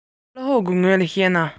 ཁོས ཉིན མཚན ཀུན ཏུ ལྟ བའི